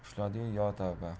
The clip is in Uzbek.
yoqasini ushladi yo tavba